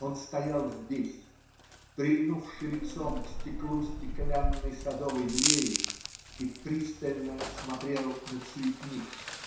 он стоял здесь, прильнувши лицом к стеклу стеклянной садовой двери, и пристально смотрел на цветник.